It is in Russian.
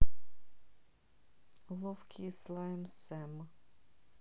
ловкий слайм сэм